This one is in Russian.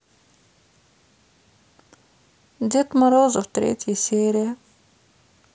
дед морозов третья серия